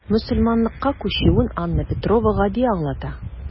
Мөселманлыкка күчүен Анна Петрова гади аңлата.